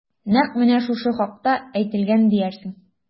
Нәкъ менә шушы хакта әйтелгән диярсең...